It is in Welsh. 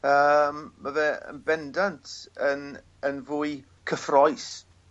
Yym ma' fe yn bendant yn yn fwy cyffrous